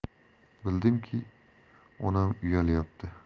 bildimki onam uyalyapti